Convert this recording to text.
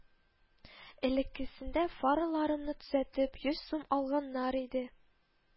Элеккесендә фараларымны төзәтеп, йөз сум алганнар иде